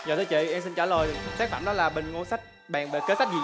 dạ thưa chị em xin trả lời tác phẩm đó là bình ngô sách bàn về kế sách